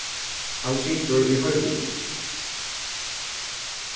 hann situr í hoyvíkini